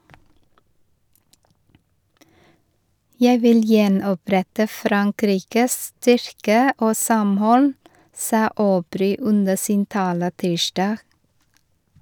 - Jeg vil gjenopprette Frankrikes styrke og samhold, sa Aubry under sin tale tirsdag.